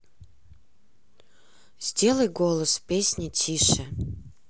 сделай голос в песне тише